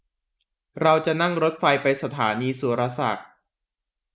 เราจะนั่งรถไฟไปสถานีสุรศักดิ์